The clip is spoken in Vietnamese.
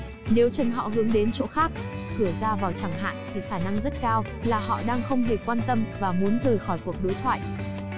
nếu chân họ hướng đến chỗ khác cửa ra vào chẳng hạn thì khả năng rất cao là họ đang không hề quan tâm và muốn rời khỏi cuộc đối thoại